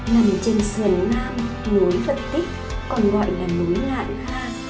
nằm trên sườn nam núi phật tích còn gọi là núi lạn kha